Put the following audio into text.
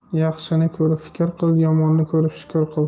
yaxshini ko'rib fikr qil yomonni ko'rib shukur qil